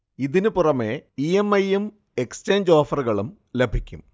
ഇതിന് പുറമെ E. M. I. യും എക്സചേഞ്ച് ഓഫറുകളും ലഭിക്കും